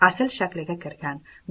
asl shakliga kirgan